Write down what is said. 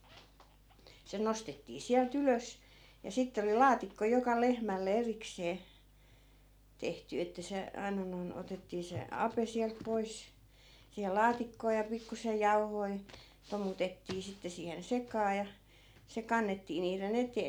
se nostettiin sieltä ylös ja sitten oli laatikko joka lehmälle erikseen tehty että se aina noin otettiin se ape sieltä pois siihen laatikkoon ja pikkuisen jauhoja tomutettiin sitten siihen sekaan ja se kannettiin niiden eteen